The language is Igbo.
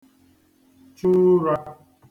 chu ụrā